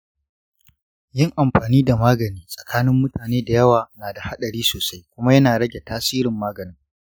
yin amfani da magani tsakanin mutane dayawa nada hadari sosai kuma yana rage tasirin maganin.